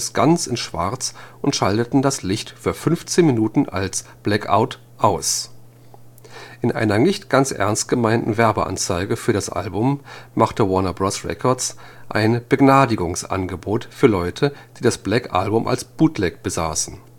ganz in schwarz und schalteten das Licht für 15 Minuten als „ Blackout “aus. In einer nicht ganz ernst gemeinten Werbeanzeige für das Album machte Warner Bros. Records ein „ Begnadigungsangebot “für Leute, die das Black Album als Bootleg besaßen